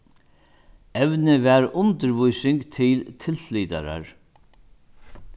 evnið var undirvísing til tilflytarar